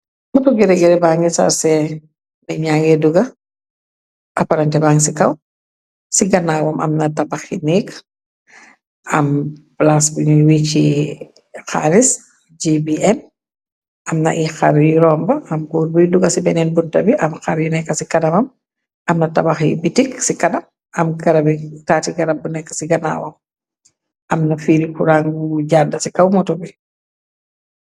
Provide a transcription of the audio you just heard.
Moto gelegélebangi sarsee na ñangee duga aparantébang ci kaw ci ganaawam amna tabaxi nékk am plaas bi ñuy wic ci xaaris gbm amna i xar yi romba am góor buy duga ci beneen bunta bi am xar yu nekk ci kanamam amna tabax i bitik ci kanam am garabi taati garab bu nekk ci ganaawam amna fiiri kurang wu jàdd ci kaw moto bi.